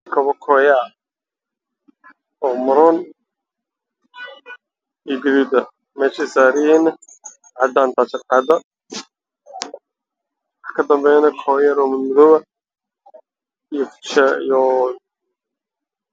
Beeshan waxaa yaalo kaba qur qurxaan oo kaleerkooda yahay guduud iyo madow